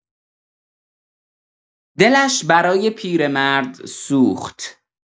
دلش برای پیرمرد سوخت.